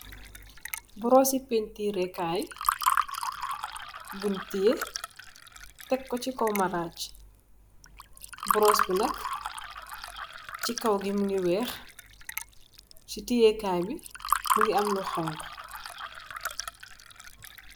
Brush si painturreh kai bung teyeh teck ko si kaw marag brush bi nak si kaw gi mogi weex si tiyeh kai bi mogi ameh lu xonxa.